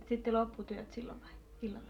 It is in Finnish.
että sitten loppui työt silloin vai illalla